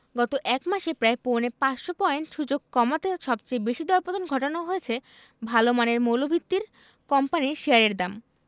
গত এক মাসে প্রায় পৌনে ৫০০ পয়েন্ট সূচক কমাতে সবচেয়ে বেশি দরপতন ঘটানো হয়েছে ভালো মানের মৌলভিত্তির কোম্পানির শেয়ারের দাম